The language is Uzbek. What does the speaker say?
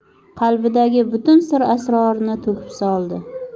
qalbidagi butun sir asrorini to'kib soldi